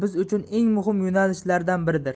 biz uchun eng muhim yo'nalishlardan biridir